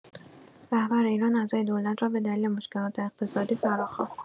رهبر ایران اعضای دولت را به دلیل مشکلات اقتصادی فراخواند.